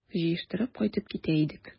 Җыештырып кайтып китә идек...